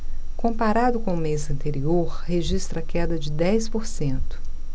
comparado com o mês anterior registra queda de dez por cento